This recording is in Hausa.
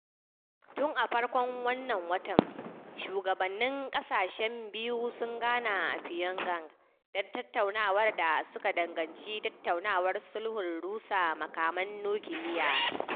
Tun a farko wannan watan, shugabannin kasashen biyu sun gana a Pyongyang don tattaunawar da suka danganci tattaunawar sulhun rusa makaman nukiliya.